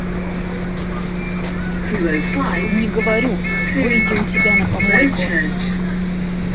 не говорю выйди у тебя на помойку